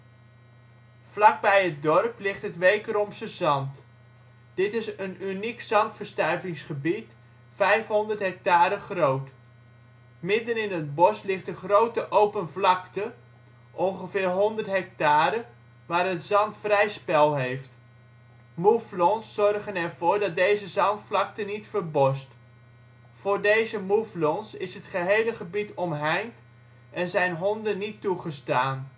Vlakbij het dorp ligt " Het Wekeromse Zand ". Dit is een uniek zandverstuivingsgebied, 500 ha groot. Midden in het bos ligt een grote open vlakte (ong 100 ha) waar het zand vrij spel heeft. Moeflons zorgen ervoor dat deze zandvlakte niet “verbost”. Voor deze moeflons is het gehele gebied omheind en zijn honden niet toegestaan